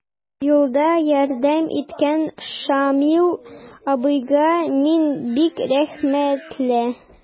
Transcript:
Юлда ярдәм иткән Шамил абыйга мин бик рәхмәтле.